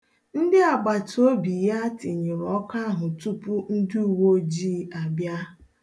Ndị agbataobi ya tinyụrụ ọkụ ahụ tupu ndị uweojii abịa.